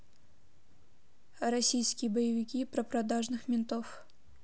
российские боевики про продажных ментов